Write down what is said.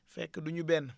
fekk du ñu benn